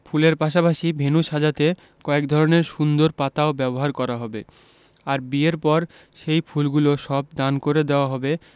ফুলের পাশাপাশি ভেন্যু সাজাতে কয়েক ধরনের সুন্দর পাতাও ব্যবহার করা হবে আর বিয়ের পর সেই ফুলগুলো সব দান করে দেওয়া হবে